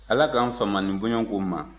ala k'an fama nin bɔɲɔgɔnko ma